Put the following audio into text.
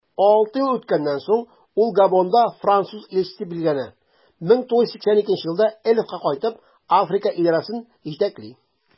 Алты ел үткәннән соң, ул Габонда француз илчесе итеп билгеләнә, 1982 елда Elf'ка кайтып, Африка идарәсен җитәкли.